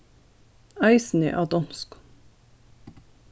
eisini á donskum